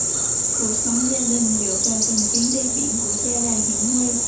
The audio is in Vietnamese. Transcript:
cuộc sống gia đình dựa vào từng chuyến đi biển của cha đầy hiểm nguy